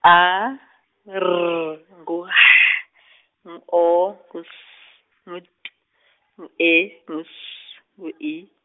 A, R, ngu H , ng- O, ngu S, ngu T , ng- E, ng- S, ngu I.